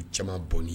U caman bɔnɔni